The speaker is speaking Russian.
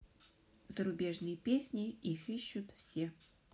зарубежные песни их ищут все